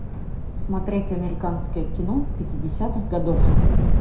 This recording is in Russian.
смотреть американское кино пятидесятых годов